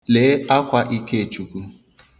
Lee akwa Ikechukwu.